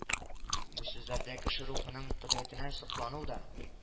Бу сүзләрдә кеше рухының кодрәтенә соклану да